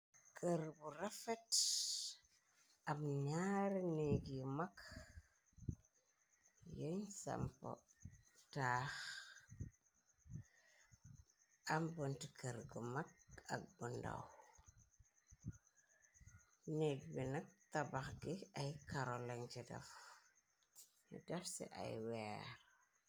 Kerr bu rafet am naare negg yi mag yun sampa taax am bonti kerr gu mag ak bu ndaw negg bi nag tabax gi ay karo lan ci daf nu daf se ay weer.